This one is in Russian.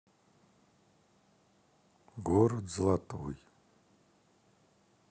город золотой